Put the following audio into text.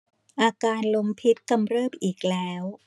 อาการลมพิษกำเริบอีกแล้ว